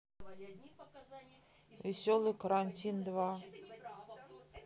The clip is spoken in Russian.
веселый карантин два